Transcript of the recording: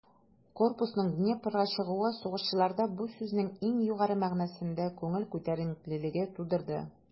Корпусның Днепрга чыгуы сугышчыларда бу сүзнең иң югары мәгънәсендә күңел күтәренкелеге тудырды.